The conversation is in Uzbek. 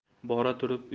bora turib uyning